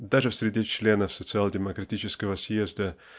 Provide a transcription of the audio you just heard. Даже в среде членов социал- демократического съезда